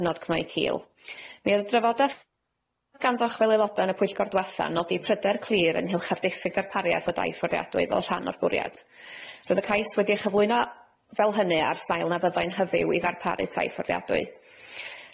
cnoi cil. Mi o'dd y drafodeth ganddoch fel aeloda yn y pwyllgor dwetha'n nodi pryder clir ynghylch â'r diffyg darpariaeth o dai fforddiadwy fel rhan o'r bwriad. Roedd y cais wedi ei chyflwyno fel hynny ar sail na fyddai'n hyfwy i ddarparu tai fforddiadwy.